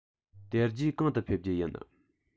དེ རྗེས གང དུ ཕེབས རྒྱུ ཡིན